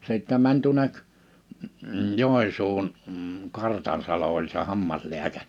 sitten meni tuonne Joensuuhun Kartansalo oli se hammaslääkäri